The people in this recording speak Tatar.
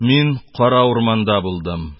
Мин кара урманда булдым.